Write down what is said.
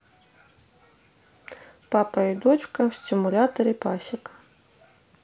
папа и дочки в симуляторе пасека